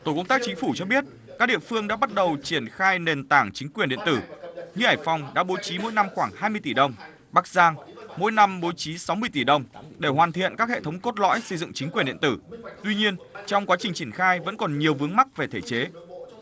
tổ công tác chính phủ cho biết các địa phương đã bắt đầu triển khai nền tảng chính quyền điện tử như hải phòng đã bố trí mỗi năm khoảng hai mươi tỷ đồng bắc giang mỗi năm bố trí sáu mươi tỷ đồng để hoàn thiện các hệ thống cốt lõi xây dựng chính quyền điện tử tuy nhiên trong quá trình triển khai vẫn còn nhiều vướng mắc về thể chế